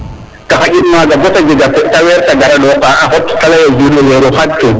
te xaƴin maga bote jeg a a pe te weer te gara ɗoka a xot te leye o juuɗo weru xaad tum